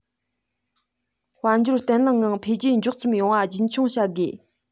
དཔལ འབྱོར བརྟན བརླིང ངང འཕེལ རྒྱས མགྱོགས ཙམ ཡོང བ རྒྱུན འཁྱོངས བྱ དགོས